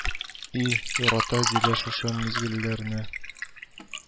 И, ярата Зилә шушы мизгелләрне